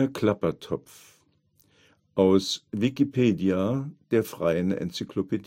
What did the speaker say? Klappertopf, aus Wikipedia, der freien Enzyklopädie